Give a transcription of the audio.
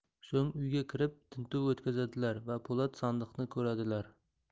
so'ng uyga kirib tintuv o'tkazadilar va po'lat sandiqni ko'radilar